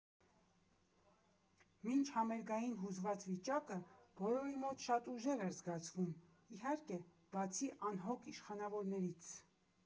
Մինչհամերգային հուզված վիճակը բոլորի մոտ շատ ուժեղ էր զգացվում, իհարկե, բացի անհոգ իշխանավորներից։